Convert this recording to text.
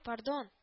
Пардон